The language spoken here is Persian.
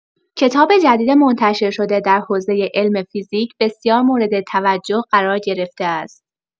کتاب جدید منتشر شده در حوزه علم فیزیک بسیار مورد توجه قرار گرفته است.